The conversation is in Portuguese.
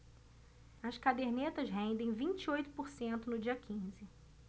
as cadernetas rendem vinte e oito por cento no dia quinze